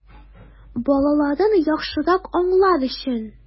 Балаларын яхшырак аңлар өчен!